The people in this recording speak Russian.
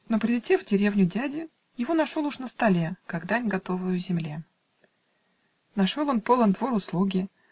Но, прилетев в деревню дяди, Его нашел уж на столе, Как дань готовую земле. Нашел он полон двор услуги